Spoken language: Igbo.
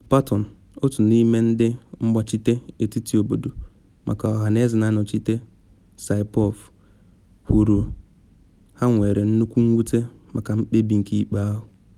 David Patton, otu n’ime ndị mgbachite etiti obodo maka ọhaneze na anọchite Saipov, kwuru ha nwere “nnukwu mwute” maka mkpebi nke ikpe ahụ.